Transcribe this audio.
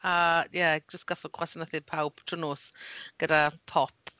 A ie jyst gorfod gwasanaethau pawb drwy'r nos gyda pop.